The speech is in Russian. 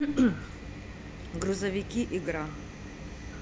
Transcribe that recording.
грузовики игра